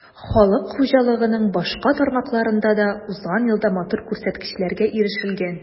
Халык хуҗалыгының башка тармакларында да узган елда матур күрсәткечләргә ирешелгән.